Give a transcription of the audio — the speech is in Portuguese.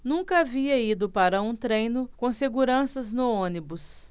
nunca havia ido para um treino com seguranças no ônibus